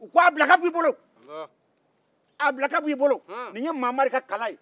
u ko a bila ka bɔ i bolo nin ye mamari ka kala ye